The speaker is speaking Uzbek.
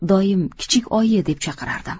men uni doim kichik oyi deb chaqirardim